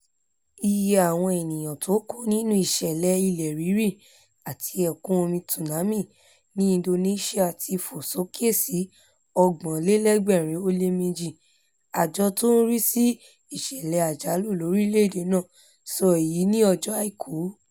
Iye àwọn ènìyàn tó kú nínú ìṣẹ̀lẹ̀ ilẹ̀ rírì àti ẹ̀kún omi tsunami ní Indonesia ti fò sóke sí 832, àjọ tó ń rísí ìṣẹ̀lẹ̀ àjálù lórílẹ̀-èdè náà sọ èyí ní ọjọ́ Àìkú.